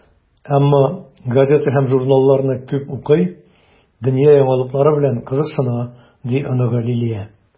Әмма газета һәм журналларны күп укый, дөнья яңалыклары белән кызыксына, - ди оныгы Лилия.